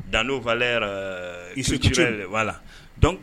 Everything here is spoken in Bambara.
Danfa ki la